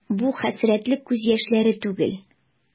Бу хәсрәтле күз яшьләре түгел.